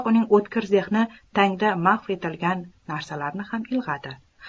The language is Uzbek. uning o'tkir zehni tangda mahv etilgan narsalarni ham ilg'adi